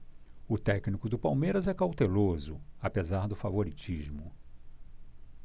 o técnico do palmeiras é cauteloso apesar do favoritismo